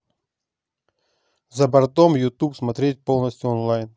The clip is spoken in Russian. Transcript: за бортом ютуб смотреть полностью онлайн